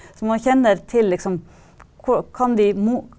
så man kjenner til liksom kan vi.